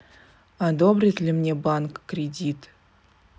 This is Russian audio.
одобрит ли мне банк кредит